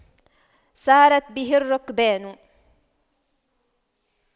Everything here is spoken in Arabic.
سارت به الرُّكْبانُ